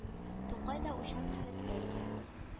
Тукай да уйчан халәттә иде